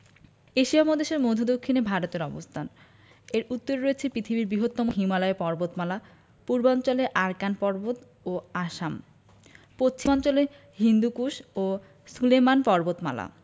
Asia মহাদেশের মদ্ধ্য দক্ষিনে ভারতের অবস্থানএর উত্তরে রয়েছে পৃথিবীর বৃহত্তম হিমালয় পর্বতমালা পূর্বাঞ্চলে আরাকান পর্বত ও আসামপশ্চিমাঞ্চলে হিন্দুকুশ ও সুলেমান পর্বতমালা